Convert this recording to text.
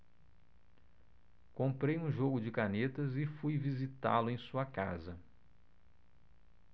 comprei um jogo de canetas e fui visitá-lo em sua casa